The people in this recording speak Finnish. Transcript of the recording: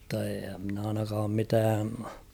mutta en minä ainakaan mitään